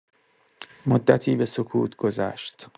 مدتی به سکوت گذشت.